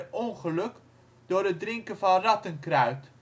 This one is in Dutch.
ongeluk door het drinken van rattenkruid